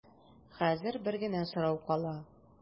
Хәзер бер генә сорау кала.